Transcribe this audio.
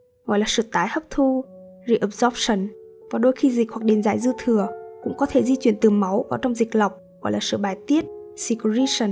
gọi là sự tái hấp thu và đôi khi dịch hoặc điện giải dư thừa có thể di chuyển từ máu vào trong dịch lọc gọi là sự bài tiết